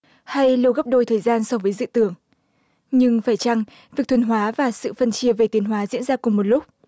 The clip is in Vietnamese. hay lưu gấp đôi thời gian so với dự tưởng nhưng phải chăng từ việc thuần hóa và sự phân chia về tiến hóa diễn ra cùng một lúc